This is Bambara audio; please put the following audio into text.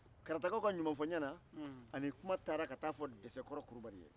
karatakaw ka ɲumanfɔ-n-ɲɛna a ni kuma taara ka taa a fɔ desekɔrɔ kulubali ye